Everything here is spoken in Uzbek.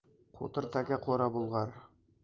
qo'tir taka qo'ra bulg'ar